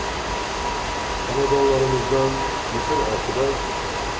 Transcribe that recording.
xonadonlarimizdan mehr oqibat